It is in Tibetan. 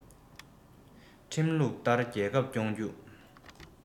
ཁྲིམས ལུགས ལྟར རྒྱལ ཁབ སྐྱོང རྒྱུ